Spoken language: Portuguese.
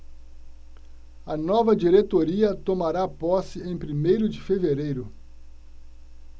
a nova diretoria tomará posse em primeiro de fevereiro